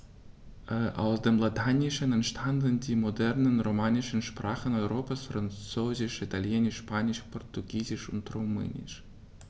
Aus dem Lateinischen entstanden die modernen „romanischen“ Sprachen Europas: Französisch, Italienisch, Spanisch, Portugiesisch und Rumänisch.